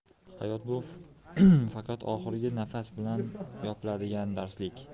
hayot bu faqat oxirgi nafas bilan yopiladigan darslik